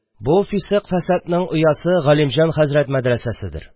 Бу фисык-фәсатның оясы – Галимҗан хәзрәт мәдрәсәседер